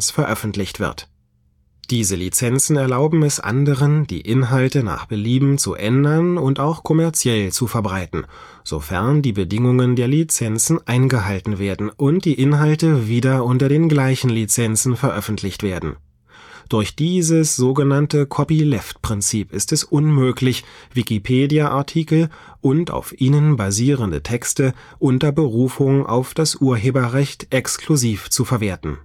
veröffentlicht wird. Diese Lizenzen erlauben es anderen, die Inhalte nach Belieben zu ändern und auch kommerziell zu verbreiten, sofern die Bedingungen der Lizenzen eingehalten werden und die Inhalte wieder unter den gleichen Lizenzen veröffentlicht werden. Durch dieses sogenannte Copyleft-Prinzip ist es unmöglich, Wikipedia-Artikel und auf ihnen basierende Texte unter Berufung auf das Urheberrecht exklusiv zu verwerten